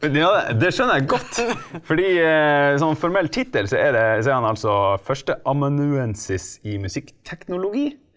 det skjønner jeg godt fordi som formell tittel så er det så er han altså førsteamanuensis i musikkteknologi.